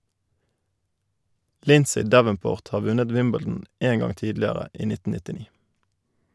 Lindsay Davenport har vunnet Wimbledon en gang tidligere - i 1999.